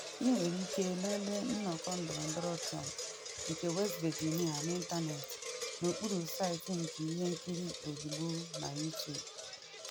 I nwere ike lelee nnọkọ ndọrọndọrọ Trump nke West Virginia n’ịntanetị, n’okpuru site na ihe nkiri ozugbo na Youtube.